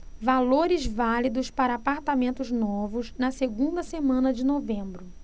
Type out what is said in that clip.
valores válidos para apartamentos novos na segunda semana de novembro